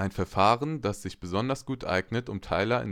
Verfahren, das sich besonders gut eignet, um Teiler